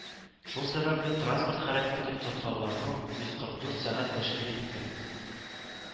Шул сәбәпле, транспорт хәрәкәте тоткарлану йөз кырык дүрт сәгать тәшкил иткән